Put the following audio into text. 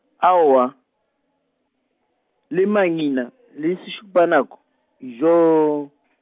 aowa, le mangina le sešupanako , yo .